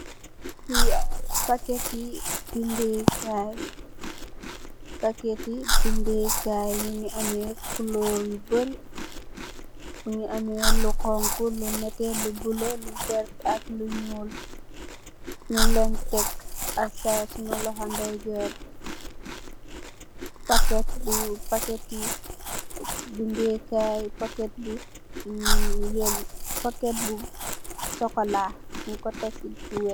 Lii packeti bindae kaii, packeti bindae kaii njungy ameh couleur yu bari, mungy ameh lu honhu, lu nehteh, lu bleu, lu vert ak lu njull, njung len tek aside suma loho ndeyjorr, packet bu, packeti bindae kaii, packet bu buu yeh packet bu chocolat njung kor tek cii...